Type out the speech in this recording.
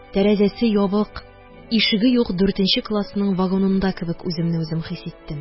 Тәрәзәсе ябык, ишеге юк дүртенче классның вагонында кебек үземне үзем хис иттем.